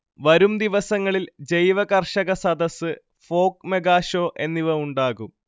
വരുംദിവസങ്ങളിൽ ജൈവകർഷകസദസ്സ്, folk mega show എന്നിവ ഉണ്ടാകും